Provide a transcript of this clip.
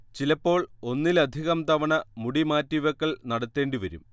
ചിലപ്പോൾ ഒന്നിലധികം തവണ മുടി മാറ്റിവെക്കൽ നടത്തേണ്ടി വരും